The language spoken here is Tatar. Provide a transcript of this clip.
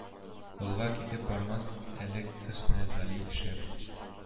Олыга китеп бармас элек хөснегали шәп